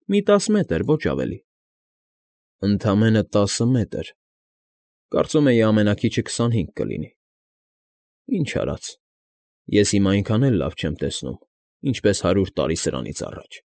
Մի տասը մետր, ոչ ավելի։ ֊ Ընդամենը տասը մետր… Կարծում էի, ամենաքիչը քսանհինգ կլինի… Ինչ արած, ես հիմա այնքան էլ լավ չեմ տեսնում, ինչպես հարյուր տարի սրանից առաջ։